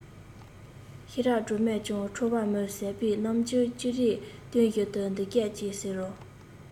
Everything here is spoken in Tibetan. ཤེས རབ སྒྲོལ མས ཀྱང ཁྲོ བ མི ཟད པའི རྣམ འགྱུར ཅི རིགས སྟོན བཞིན དུ འདི སྐད ཅེས ཟེར རོ